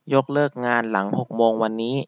ยกเลิกงานหลังหกโมงวันนี้